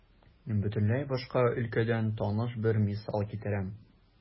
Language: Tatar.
Бөтенләй башка өлкәдән таныш бер мисал китерәм.